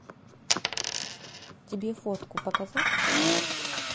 тебе фотку показать